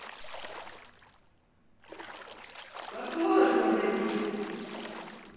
а сможешь мне влепить